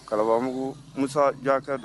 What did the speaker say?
Kalabaabugu musa diyaka dɔn